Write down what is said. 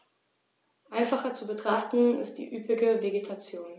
Einfacher zu betrachten ist die üppige Vegetation.